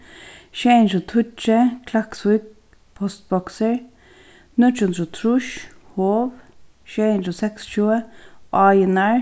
sjey hundrað og tíggju klaksvík postboksir níggju hundrað og trýss hov sjey hundrað og seksogtjúgu áirnar